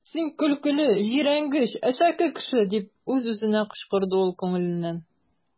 Син көлкеле, җирәнгеч, әшәке кеше! - дип үз-үзенә кычкырды ул күңеленнән.